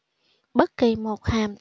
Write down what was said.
bất kì một hàm